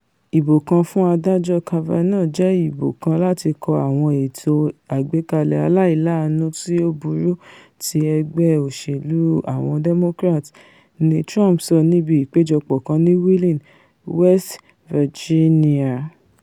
Ìbò kan fún Adájọ́ Kavanaugh jẹ́ ìbò kan láti kọ àwọn ètò agbékalẹ̀ aláìláàánú tí ó burú ti Ẹgbé Òṣèlú Àwọn Democrat,'' ni Trump sọ níbi ìpéjọpọ̀ kan ní Wheeling, West Virginia.